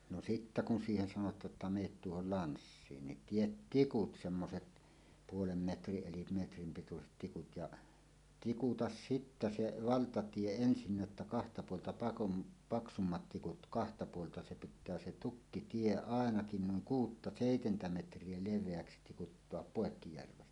no sitten kun siihen sanotaan että menette tuohon lanssiin niin tee tikut semmoiset puoli metriä eli metrin pituiset tikut ja tikuta sitten se valtatie ensinnä että kahta puolta - paksummat tikut kahta puolta se pitää se tukkitie ainakin noin kuutta seitsemän metriä leveäksi tikuttaa poikki järven